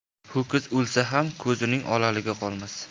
ho'kiz o'lsa ham ko'zining olaligi qolmas